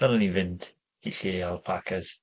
Dylen ni fynd i lle alpacas.